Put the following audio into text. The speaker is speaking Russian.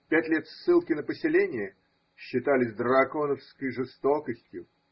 Пять лет ссылки на поселение считались драконовской жестокостью.